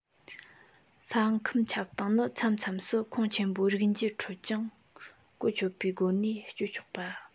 ས ཁམས ཁྱབ སྟངས ནི མཚམས མཚམས སུ ཁོངས ཆེན པོའི རིགས འབྱེད ཁྲོད ཀྱང གོ ཆོད པའི སྒོ ནས སྤྱོད ཆོག ལ